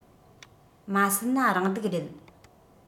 མ སད ན རང སྡུག རེད